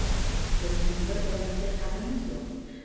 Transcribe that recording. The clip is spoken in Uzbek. bizning bir birimizga qadrimiz yo'q